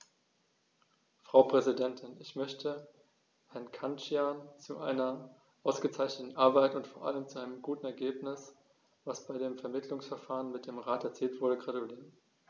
Frau Präsidentin, ich möchte Herrn Cancian zu seiner ausgezeichneten Arbeit und vor allem zu dem guten Ergebnis, das bei dem Vermittlungsverfahren mit dem Rat erzielt wurde, gratulieren.